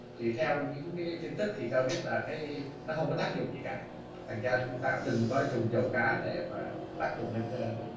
thì theo những tin tức thì cho biết là cái nó không có tác dụng gì cả thành ra chúng ta đừng có dùng dầu cá để mà tác dụng